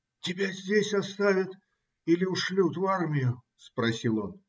- Тебя здесь оставят или ушлют в армию? - спросил он.